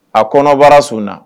A kɔnɔbaraso na